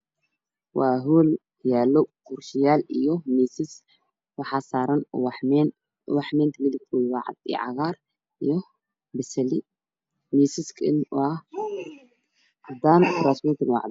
Waa hool ayaa laan kuraasya miisaas miisaska waxa saaran waxyaal waxyaasha kalakooda waa caddaan lacagaar i gaduud